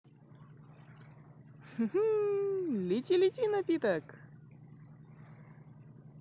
лети лети напиток